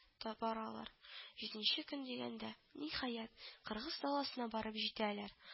Табаралар, җиденче көн дигәндә, ниһаять, кыргыз даласына барып җитәләр